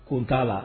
Ko n t'a la.